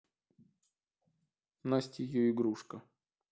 настя и ее игрушки